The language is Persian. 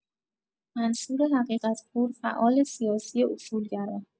منصور حقیقت‌پور، فعال سیاسی اصولگرا